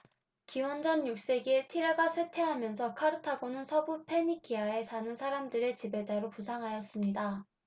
기원전 육 세기에 티레가 쇠퇴하면서 카르타고는 서부 페니키아에 사는 사람들의 지배자로 부상하였습니다